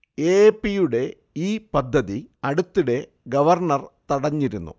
A. A. P. യുടെ ഈ പദ്ധതി അടുത്തിടെ ഗവർണർ തടഞ്ഞിരുന്നു